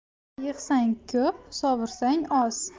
yig'sang ko'p sovursang oz